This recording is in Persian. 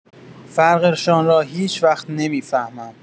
فرق‌شان را هیج‌وقت نمی‌فهمم.